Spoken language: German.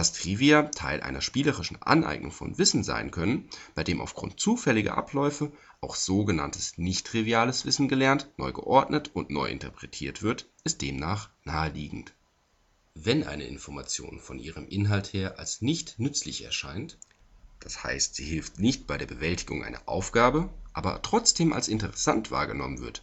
Trivia Teil einer spielerischen Aneignung von Wissen sein können, bei dem aufgrund zufälliger Abläufe auch sogenanntes nichttriviales Wissen gelernt, neu geordnet und neu interpretiert wird, ist demnach naheliegend. Wenn eine Information von ihrem Inhalt her als nicht nützlich erscheint (d. h. sie hilft nicht bei der Bewältigung einer Aufgabe), aber trotzdem als interessant wahrgenommen